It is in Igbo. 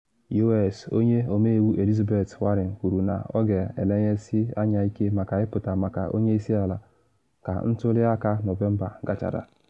U.S. Onye Ọmeiwu Elizabeth Warren kwuru na ọ “ga-elenyesị anya ike maka ịpụta maka onye isi ala” ka ntuli aka Nọvemba gachara.